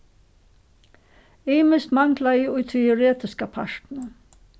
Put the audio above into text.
ymiskt manglaði í teoretiska partinum